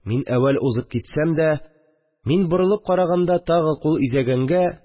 Мин әүвәл узып китсәм дә, мин борылып караганда тагы кул изәгәнгә